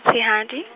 tshehadi.